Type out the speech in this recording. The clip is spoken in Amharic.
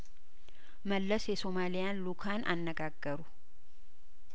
መለስ የሶማሊያን ልኡካን አነጋገሩ